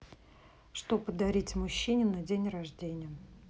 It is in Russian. что подарить мужчине на день рождения